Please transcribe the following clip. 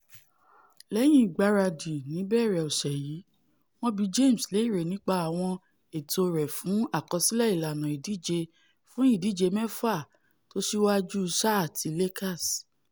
Lẹ́yìn ìgbaradì níbẹ̀rẹ̀ ọ̀sẹ̀ yìí, wọ́n bí James léèrè nípa àwọn ètò rẹ̀ fún àkọsílẹ̀ ìlànà ìdíje fún ìdíje mẹ́fà tósíwájú sáà ti Lakers.